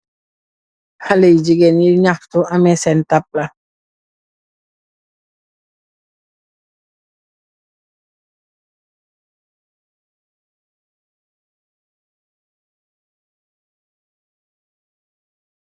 Xalèh gigeen yui ñaxtu ameh sèèn tabla.